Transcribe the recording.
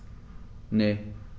Ne.